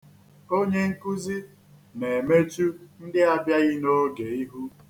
Onye nkuzi na-emechu ndị abịaghị n'oge ihu.